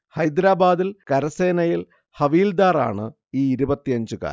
ഹൈദരബാദിൽ കരസനേയിൽ ഹവീൽദാർ ആണ് ഈ ഇരുപത്തിയഞ്ചുകാരൻ